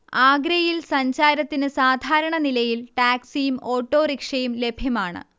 ആഗ്രയിൽ സഞ്ചാരത്തിന് സാധാരണ നിലയിൽ ടാക്സിയും ഓട്ടോറിക്ഷയും ലഭ്യമാണ്